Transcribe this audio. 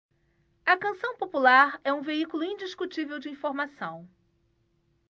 a canção popular é um veículo indiscutível de informação